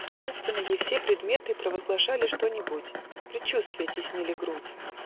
Таинственно ей все предметы Провозглашали что-нибудь, Предчувствия теснили грудь.